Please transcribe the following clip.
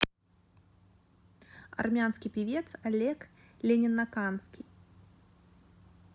армянский певец олег ленинаканский